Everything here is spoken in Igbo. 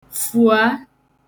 fùa